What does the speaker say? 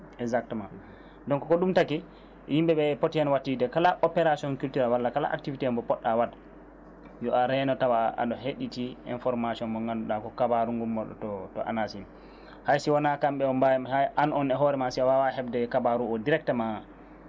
exactement donc ko ɗum taagi yimɓe ɓe pooti heen watti wiide kala opération culturelle walla kala activité mo poɗɗa waad yo a reeno tawa aɗa heeɗiti information mo gannduɗa ko kabaru ngummorɗo to to ANACIM haysi wona kamɓe an o e hoore ma si a wawa hebde kabaru o directement